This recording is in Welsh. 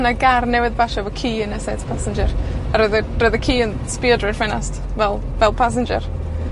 Ma' 'na gar newydd, basio efo ci yn y set passenger. A ro'dd y, roedd y ci yn sbio drwy'r ffenast, fel, fel passenger